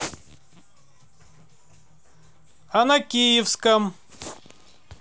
а на киевском